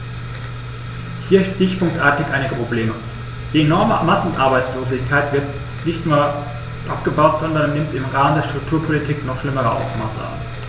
Hier stichpunktartig einige Probleme: Die enorme Massenarbeitslosigkeit wird nicht nur nicht abgebaut, sondern nimmt im Rahmen der Strukturpolitik noch schlimmere Ausmaße an.